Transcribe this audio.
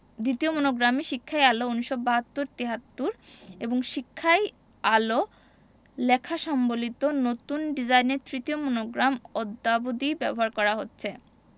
দ্বিতীয় মনোগ্রামে শিক্ষাই আলো ১৯৭২ ৭৩ এবং শিক্ষাই আলো লেখা সম্বলিত নতুন ডিজাইনের তৃতীয় মনোগ্রাম অদ্যাবধি ব্যবহার করা হচ্ছে